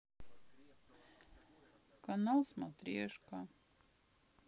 канал смотрешка